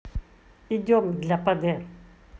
идеи для лд